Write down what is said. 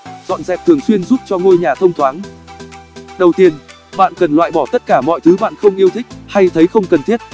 dọn dẹp thường xuyên giúp cho ngôi nhà thông thoáng đầu tiên bạn cần loại bỏ tất cả mọi thứ bạn không yêu thích hay thấy không cần thiết